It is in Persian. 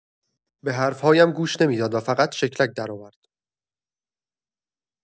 به حرف‌هایم گوش نمی‌داد و فقط شکلک درآورد.